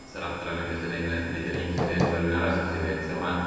Sa'r adran yn gallu wneud, neu neu dan ni'n gallu wneud. Neu ma' rywun arall yn gallu wneud tibod ma'...